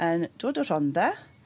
yn dod o Rhondda,